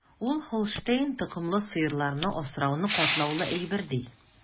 Ул Һолштейн токымлы сыерларны асрауны катлаулы әйбер, ди.